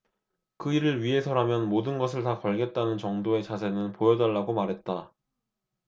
그 일을 위해서라면 모든 것을 다 걸겠다는 정도의 자세는 보여달라고 말했다